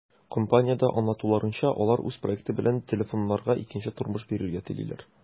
Компаниядә аңлатуларынча, алар үз проекты белән телефоннарга икенче тормыш бирергә телиләр.